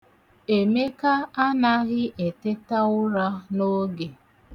Emeka anaghị eteta ụra n'oge.